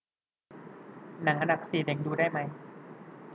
หนังอันดับสี่เด็กดูได้ไหม